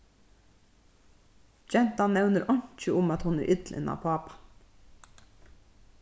gentan nevnir einki um at hon er ill inn á pápan